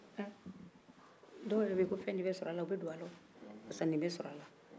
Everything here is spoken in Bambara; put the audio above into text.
dɔw yɛrɛ bɛ yen ko fɛn de bɛ sɔrɔ a la u bɛ don a la barisa nin bɛ sɔrɔ a la